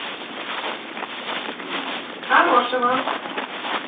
хорошего